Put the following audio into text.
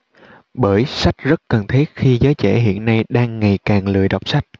bởi sách rất cần thiết khi giới trẻ hiện nay đang ngày càng lười đọc sách